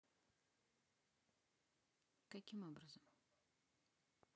каким образом